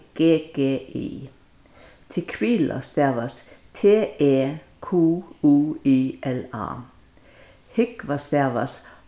g g i tequila stavast t e q u i l a húgva stavast